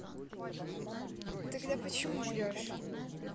тогда почему врешь